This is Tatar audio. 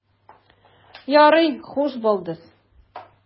Ярый, хуш, балдыз.